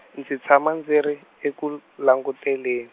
ndzi tshama ndzi ri, eku, langutelen-.